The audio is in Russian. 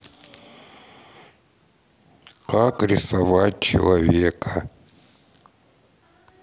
как рисовать человека